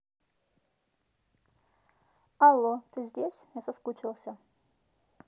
алло ты здесь я соскучился